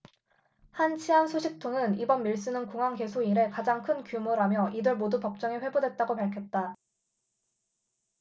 한 치안 소식통은 이번 밀수는 공항 개소 이래 가장 큰 규모라며 이들 모두 법정에 회부됐다고 밝혔다